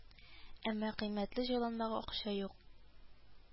Әмма кыйммәтле җайланмага акча юк